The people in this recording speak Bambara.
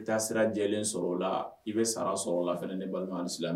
I bɛ taa sira lajɛlenlen sɔrɔ o la i bɛ sara sɔrɔ o la fɛ ni balimasi